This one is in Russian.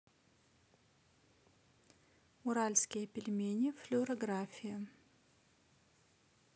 уральские пельмени флюорография